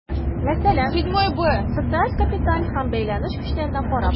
Мәсәлән, социаль капитал һәм бәйләнеш көчләренә карап.